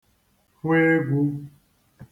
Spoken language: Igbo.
kwe egwu